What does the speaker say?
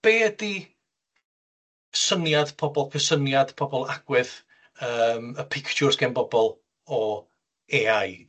Be' ydi syniad pobol, cysyniad pobol, agwedd yym y pictwrs gen bobol o Ay I?